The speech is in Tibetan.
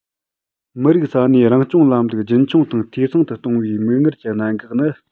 མི རིགས ས གནས རང སྐྱོང ལམ ལུགས རྒྱུན འཁྱོངས དང འཐུས ཚང དུ གཏོང བའི མིག སྔར གྱི གནད འགག ནི